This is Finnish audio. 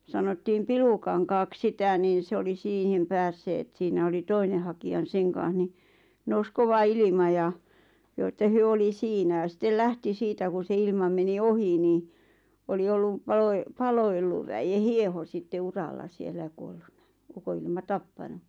sanottiin Pilukankaaksi sitä niin se oli siihen päässeet siinä oli toinen hakija - sen kanssa niin nousi kova ilma ja joo että he oli siinä ja sitten lähti siitä kun se ilma meni ohi niin oli ollut - Palo-Ellun väen hieho sitten uralla siellä ja kuolleena ukonilma tappanut